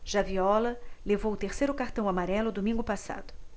já viola levou o terceiro cartão amarelo domingo passado